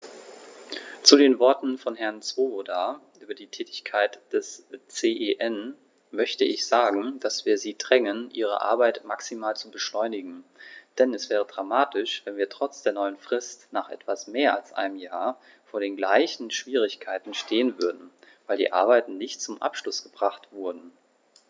Zu den Worten von Herrn Swoboda über die Tätigkeit des CEN möchte ich sagen, dass wir sie drängen, ihre Arbeit maximal zu beschleunigen, denn es wäre dramatisch, wenn wir trotz der neuen Frist nach etwas mehr als einem Jahr vor den gleichen Schwierigkeiten stehen würden, weil die Arbeiten nicht zum Abschluss gebracht wurden.